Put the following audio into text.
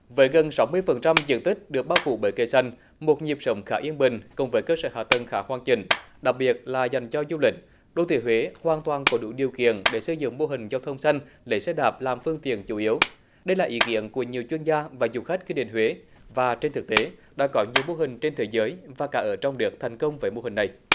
với gần sáu mươi phần trăm diện tích được bao phủ bởi cây xanh một nhịp sống khá yên bình cùng với cơ sở hạ tầng khá hoàn chỉnh đặc biệt là dành cho du lịch đô thị huế hoàn toàn có đủ điều kiện để sử dụng mô hình giao thông sân để xe đạp làm phương tiện chủ yếu đây là ý kiến của nhiều chuyên gia và du khách khi đến huế và trên thực tế đã có nhiều mô hình trên thế giới và cả ở trong nước thành công với mô hình này